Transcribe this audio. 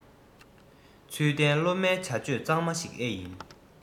ཚུལ ལྡན སློབ མའི བྱ སྤྱོད གཙང མ ཞིག ཨེ ཡིན